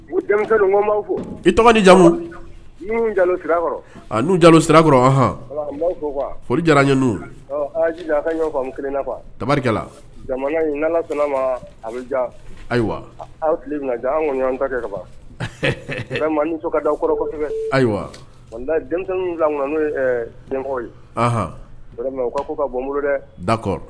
' fɔ i tɔgɔ jamumu jalo sirakɔrɔ n jalo sirakɔrɔɔn diyara a ka ɲɔgɔn kelennafa tarikɛla jamana in sɔnna ma a bɛ ja ayiwa aw tile an kɔni ta kɛ ka ka da kɔrɔ ayiwa n denmisɛnnin wolonwula kɔnɔ n'o den ye u ka fɔ ka bɔ n bolo dɛ da kɔrɔ